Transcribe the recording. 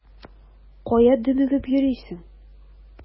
Кая дөмегеп йөрисең?